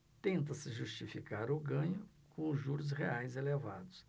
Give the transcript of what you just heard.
tenta-se justificar o ganho com os juros reais elevados